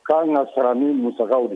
K'an ka sɔrɔ ni musaw de